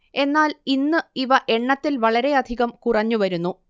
എന്നാൽ ഇന്ന് ഇവ എണ്ണത്തിൽ വളരെയധികം കുറഞ്ഞു വരുന്നു